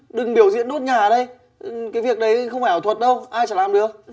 đừng biểu diễn đốt nhà ở đây cái việc đấy không phải ảo thuật đâu ai chả làm được